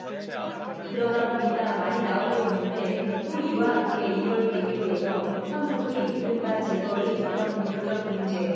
그러다 보니까 많이 나오고 있는데 또 이와 함께 이걸 계기로 해서 한국의 이른바 재벌의 그런 구조적 문제